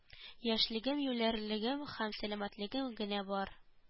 Яшьлегем-юләрлегем һәм сәламәтлегем генә бар